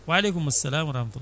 waleykumu salam wa rahmatullah